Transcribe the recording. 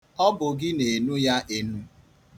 Ọ bụ gị na-enu ya enu.